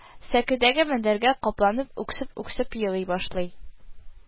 Сәкедәге мендәргә капланып үксеп-үксеп елый башлый